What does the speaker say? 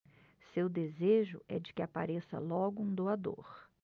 seu desejo é de que apareça logo um doador